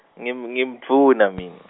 ngim-, ngimdvuna mine.